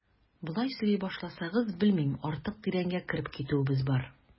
Болай сөйли башласагыз, белмим, артык тирәнгә кереп китүебез бар.